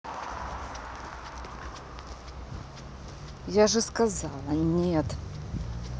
я же сказала нет